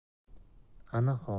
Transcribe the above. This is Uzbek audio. ana hozir qo'li bilan